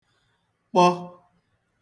kpọ